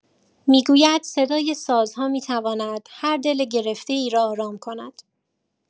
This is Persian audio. می‌گوید صدای سازها می‌تواند هر دل گرفته‌ای را آرام کند.